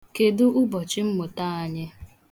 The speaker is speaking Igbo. Kedu ụbọchị mmụta anyị?